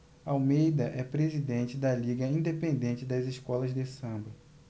almeida é presidente da liga independente das escolas de samba